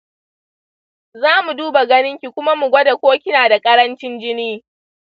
za mu duba ganinki kuma mu gwada ko kina da ƙarancin jini.